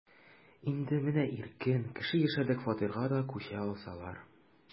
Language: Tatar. Инде менә иркен, кеше яшәрлек фатирга да күчә алсалар...